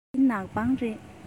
འདི ནག པང རེད